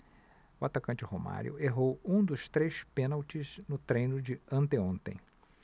o atacante romário errou um dos três pênaltis no treino de anteontem